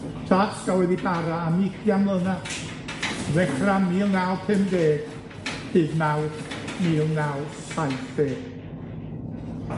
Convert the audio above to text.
Tasg a oedd i bara am ugian mlynadd, yn ddechra ym mil naw pum deg hyd Mawrth mil naw saith deg.